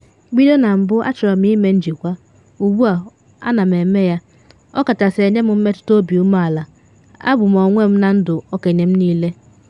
Bido na mbụ achọrọ m ịme njikwa, ugbu a ana m eme ya, ọ kachasị enye m mmetụta obi ume ala, abụ m onwe m na ndụ okenye m niile.”